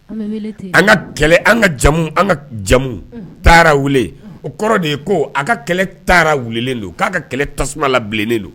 An be weele ten an ŋa kɛlɛ an' ŋa jamu an ŋa k jamu Taarawele o kɔrɔ de ye ko a ka kɛlɛ taara welelen don k'a ka kɛlɛ tasuma labilenen don